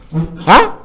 Un han